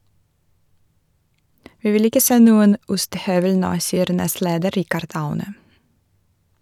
- Vi vil ikke se noen ostehøvel nå, sier nestleder Richard Aune.